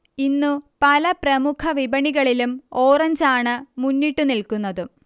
ഇന്നു പല പ്രമുഖ വിപണികളിലും ഓറഞ്ച് ആണ് മുന്നിട്ടു നിൽക്കുന്നതും